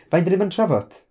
faint dan ni 'di bod yn trafod?